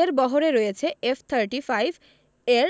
এর বহরে রয়েছে এফ থার্টি ফাইভ এর